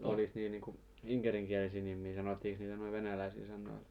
olikos niillä niin kuin inkerinkielisiä nimiä sanottiinkos niitä noin venäläisillä sanoilla